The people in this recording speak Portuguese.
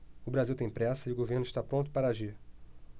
o brasil tem pressa e o governo está pronto para agir